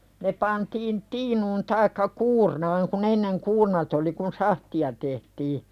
ne pantiin tiinuun tai kuurnaan kun ennen kuurnat oli kun sahtia tehtiin